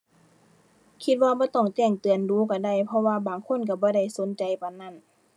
คิดว่าบ่ต้องแจ้งเตือนดู๋ก็ได้ เพราะว่าบางคนก็บ่ได้สนใจปานนั้น